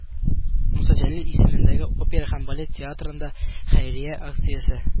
Муса Җәлил исемендәге опера һәм балет театрында – хәйрия акциясе